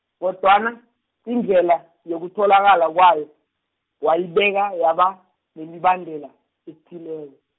kodwana, indlela, yokutholakala kwayo, wayibeka, yaba, nemibandela, ethileko.